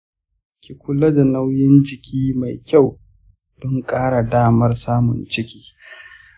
ki kula da nauyin jiki mai kyau don ƙara damar samun ciki.